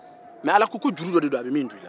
mɛ ala ko ko juru dɔ de don a bɛ min don i la